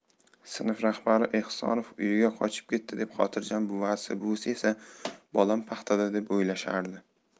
sinf rahbari ehsonov uyiga qochib ketdi deb xotirjam buvasi buvisi esa bolam paxtada deb o'ylashardi